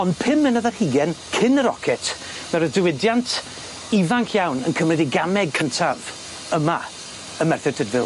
On' pum mlynedd ar hugen cyn y rocet ma' roedd diwydiant ifanc iawn yn cymryd 'i gameg cyntaf yma ym Merthyr Tydfil.